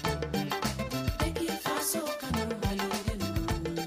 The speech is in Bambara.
Faaso kanubaalu